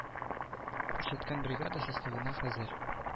Күрсәткән бригада составына хәзер